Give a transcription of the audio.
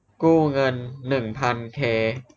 กู้เงินหนึ่งพันเค